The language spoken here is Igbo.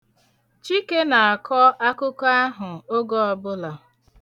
Chike na-akọ akụkọ ahụ oge ọbụla.